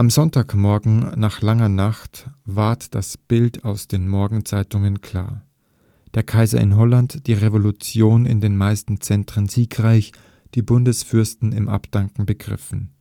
Sonntagmorgen nach banger Nacht ward das Bild aus den Morgenzeitungen klar: der Kaiser in Holland, die Revolution in den meisten Zentren siegreich, die Bundesfürsten im Abdanken begriffen